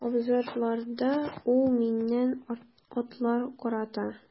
Абзарларда ул миннән атлар карата.